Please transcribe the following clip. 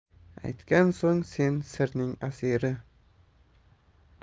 aytgan so'ng sen sirning asiri